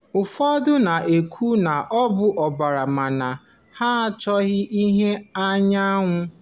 Ụfọdụ na-ekwu na ha bụ ọbara mana ha achọghị ịhụ anyaanwụ